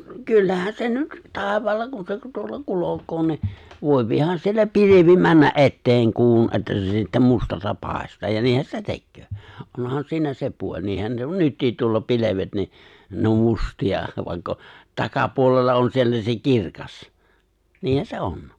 kyllähän se nyt taivaalla kun se tuolla kulkee niin voihan siellä pilvi mennä eteen kuun että se sitten mustassa paistaa ja niinhän se tekee onhan siinä se puoli niinhän se nyt tuolla pilvet niin ne on mustia vaikka on takapuolella on siellä se kirkas niinhän se on